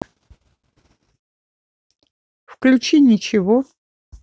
включи ничего